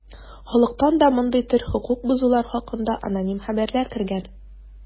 Халыктан да мондый төр хокук бозулар хакында аноним хәбәрләр кергән.